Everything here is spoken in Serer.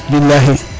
bilahi